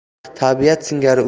tarix tabiat singari